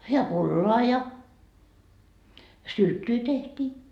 ja pullaa ja sylttyä tehtiin